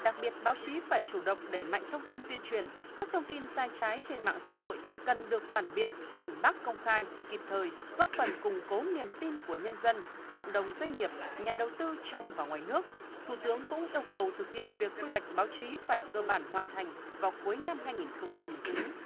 đặc biệt báo chí phải chủ động đẩy mạnh thông tin tuyên truyền các thông tin sai trái trên mạng xã hội cần được phản biện phản bác công khai kịp thời góp phần củng cố niềm tin của nhân dân cộng đồng doanh nghiệp nhà đầu tư trong và ngoài nước thủ tướng cũng yêu cầu thực hiện việc quy hoạch báo chí phải cơ bản hoàn thành vào cuối năm hai nghìn không trăm mười chín